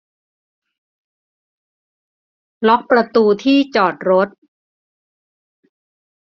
ล็อกประตูที่จอดรถ